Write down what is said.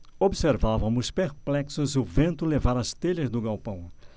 observávamos perplexos o vento levar as telhas do galpão